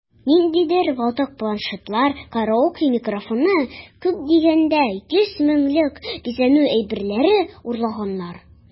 Ниндидер ватык планшетлар, караоке микрофоны(!), күп дигәндә 100 меңлек бизәнү әйберләре урлаганнар...